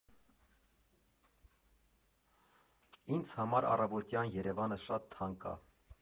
Ինձ համար առավոտյան Երևանը շատ թանկ ա։